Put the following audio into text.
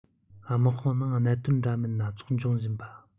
དམག དཔུང ནང གནད དོན འདྲ མིན སྣ ཚོགས འབྱུང བཞིན པ